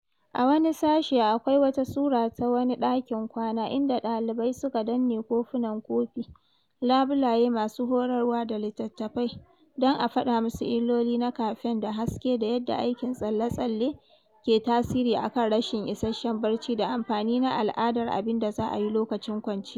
A wani sashe akwai wata sura ta wani ɗakin kwana, inda ɗalibai suka danne kofunan kofi, labulaye, masu horarwa da litattafai don a fada musu illoli na kafen da haske da yadda aikin tsale-tsalle ke tasiri a kan rashin isasshen barci, da amfani na al’adar abin da za a yi lokacin kwanciya.